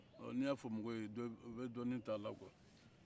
n'i y'a fɔ mɔgɔw ye u bɛ dɔnin ta a la quoi